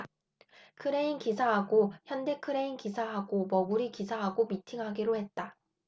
크레인 기사하고 현대 크레인 기사하고 머구리 기사하고 미팅하기로 했다